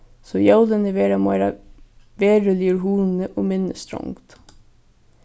so jólini vera meira veruligur hugni og minni strongd